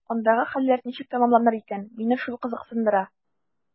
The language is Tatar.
Андагы хәлләр ничек тәмамланыр икән – мине шул кызыксындыра.